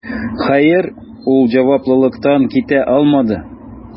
Хәер, ул җаваплылыктан китә алмады: